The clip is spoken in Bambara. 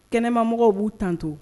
Kɛnɛmamɔgɔw b'u tan to